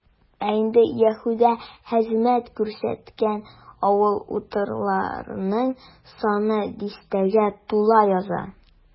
Ә инде Яһүдә хезмәт күрсәткән авыл-утарларның саны дистәгә тула яза.